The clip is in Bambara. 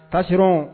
Tasi rɔ